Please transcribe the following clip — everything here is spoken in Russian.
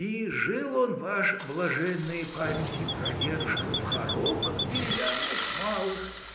И жил он, ваш блаженныя памяти прадедушка, в хоромах деревянных малых